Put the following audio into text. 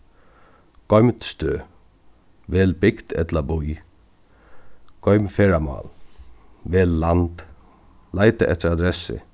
goymd støð vel bygd ella bý goym ferðamál vel land leita eftir adressu